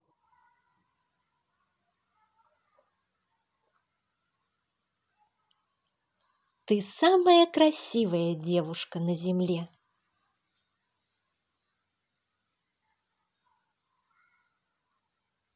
ты самая красивая девушка на земле